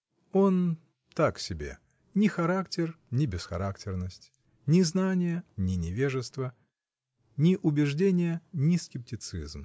Он — так себе: ни характер, ни бесхарактерность, ни знание, ни невежество, ни убеждение, ни скептицизм.